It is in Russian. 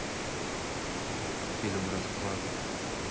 фильм расплата